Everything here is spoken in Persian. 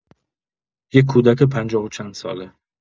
یک کودک پنجاه و چند ساله.